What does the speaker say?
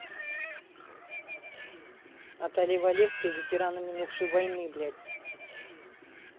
наталья валевская ветеранам минувшей войны блядь